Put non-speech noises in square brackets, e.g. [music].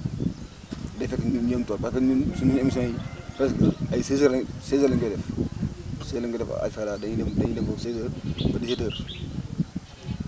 [noise] day fekk ñu dem tool parce que ñun sunu émission yi presque ay seize heure seize heures lañ koy def [noise] su dee dañu koy def Alfayda dañuy dem dañuy dem foofu seize heures [noise] ba dix sept heures [noise]